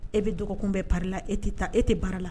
E bɛ dɔgɔkun bɛɛ parue la , e ti taa e ti bara la.